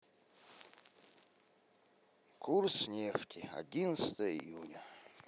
курс нефти одиннадцатое июня